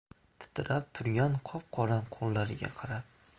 titrab turgan qop qora qo'llariga qarab